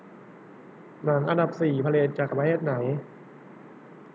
หนังอันดับสี่ผลิตจากประเทศไหน